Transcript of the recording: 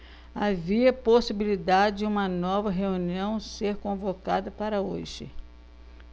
havia possibilidade de uma nova reunião ser convocada para hoje